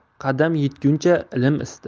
qadam yetguncha ilm ista